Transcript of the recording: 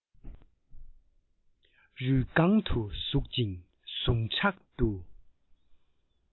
རུས རྐང དུ ཟུག ཅིང ཟུངས ཁྲག ཏུ